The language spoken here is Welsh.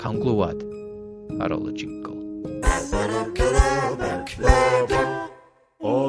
Cawn glwad, ar ôl y jingle.